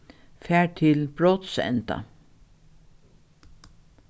far til brotsenda